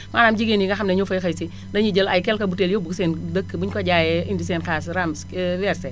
maanaam jigéen ñi nga xam ne ñoo fay xëy si dañuy jël ay quelque butéel yóbbu ko seen dëkk bu ñu ko jaayee indi seen xaalis rembs versé